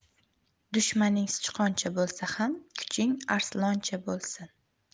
dushmaning sichqoncha bo'lsa ham kuching arsloncha bo'lsin